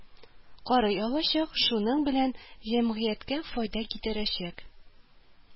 Карый алачак, шуның белән җәмгыятькә файда китерәчәк